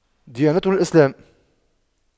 ديانته الإسلام